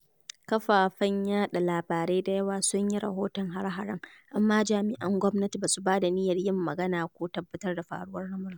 Kafafen yaɗa labarai da yawa sun yi rahoton hare-haren, amma jami'an gwamnati ba su da niyyar yin magana ko tabbatar da faruwar lamuran.